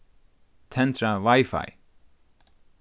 tendra wifi